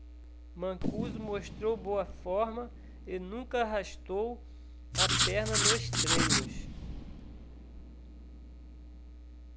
mancuso mostrou boa forma e nunca arrastou a perna nos treinos